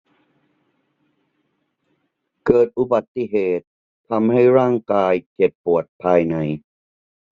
เกิดอุบัติเหตุทำให้ร่างกายเจ็บปวดภายใน